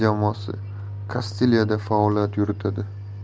jamoasi kastilya da faoliyat yuritadi